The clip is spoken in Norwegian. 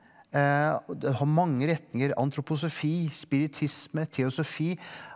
det har mange retninger antroposofi, spiritisme, teosofi.